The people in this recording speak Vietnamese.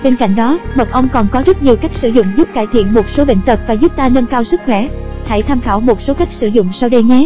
bên cạnh đó mật ong còn có rất nhiều cách sử dụng giúp cải thiện một số bệnh tật và giúp ta nâng cao sức khỏe hãy tham khảo một số cách sử dụng sau đây nhé